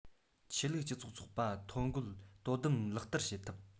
ཆོས ལུགས སྤྱི ཚོགས ཚོགས པ ཐོ འགོད དོ དམ ལག བསྟར བྱེད ཐབས